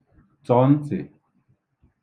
tọ̀ ntị̀